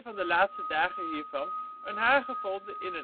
de laatste dagen hiervan, een haar gevonden in